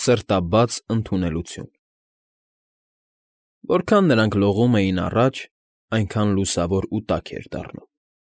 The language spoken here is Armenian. ՍՐՏԱԲԱՑ ԸՆԴՈՒՆԵԼՈՒԹՅՈՒՆ Որքան նրանք լողում էին առաջ, այնքան լուսավոր ու տաք էր դառնում։